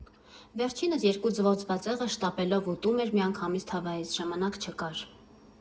Վերջինս երկու ձվով ձվածեղը շտապելով ուտում էր միանգամից թավայից՝ ժամանակ չկար։